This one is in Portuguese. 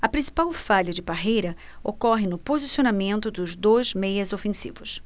a principal falha de parreira ocorre no posicionamento dos dois meias ofensivos